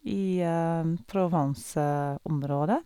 I Provenceområdet.